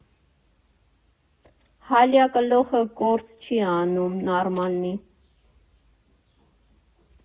Հալյա կլօխը գործ չի անում նարմալնի։